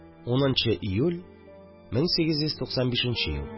. 10 нчы июль, 1895 ел